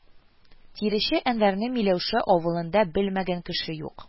Тирече Әнвәрне Миләүшә авылында белмәгән кеше юк